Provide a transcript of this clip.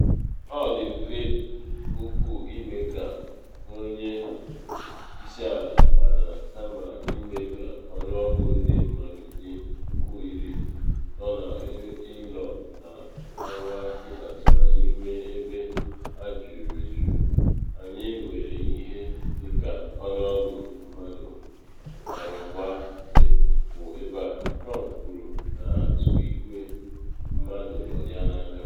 “Ọ dị mfe ukwuu ịme ka onye isi ala, mana kama ịme ka ọnụọgụ ndị mmadụ dị 10,000 nọ n’ilo na anwa ịbata n’ime ebe a juru eju, anyị nwere ihe dị ka ọnụọgụ mmadụ 200 kwụ ebe a, “Trump kwuru, na atụ igwe mmadụ nọ ya n’ihu aka.